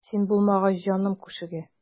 Син булмагач җаным күшегә.